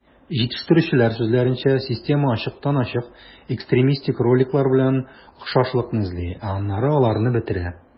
Җитештерүчеләр сүзләренчә, система ачыктан-ачык экстремистик роликлар белән охшашлыкны эзли, ә аннары аларны бетерә.